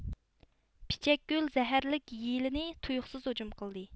پىچەكگۈل زەھەرلىك يىلىنى تۇيۇقسىز ھۇجۇم قىلدى